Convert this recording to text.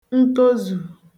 ntozù